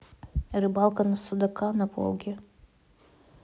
рыбалка на судака на волге